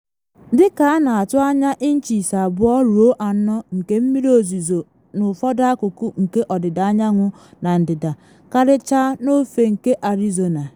Dị ka a na atụ anya inchis 2 ruo 4 nke mmiri ozizo n’ụfọdụ akụkụ nke Ọdịda anyanwụ na ndịda, karịchaa n’ofe nke Arizona.